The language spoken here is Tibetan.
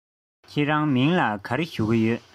ཁྱེད རང གི མཚན ལ ག རེ ཞུ གི ཡོད